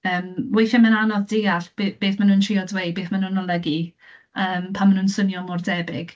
Yym, weithiau mae'n anodd deall b- beth maen nhw'n trio dweud, beth maen nhw'n olygu , yym, pan maen nhw'n swnio mor debyg.